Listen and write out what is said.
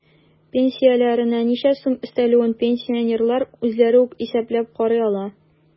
Пенсияләренә ничә сум өстәлүен пенсионерлар үзләре үк исәпләп карый ала.